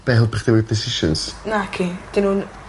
Be' helpu chdi efo decisions? Naci. 'Dyn nw'n...